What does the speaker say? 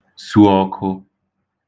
sū ọ̄kụ̄